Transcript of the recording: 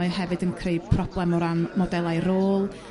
Mae o hefyd yn creu problem o ran modelai rôl